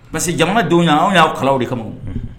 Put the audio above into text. Parce jamanadenw yan anw y'a kalaw de kama